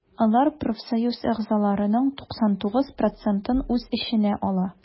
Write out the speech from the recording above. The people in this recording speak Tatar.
Алар профсоюз әгъзаларының 99 процентын үз эченә ала.